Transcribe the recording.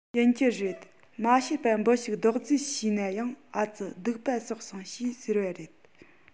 ཡིན གྱི རེད མ ཤེས པར འབུ ཞིག རྡོག རྫིས བྱས ན ཡང ཨ ཙི སྡིག པ བསགས སོང ཞེས ཟེར བ རེད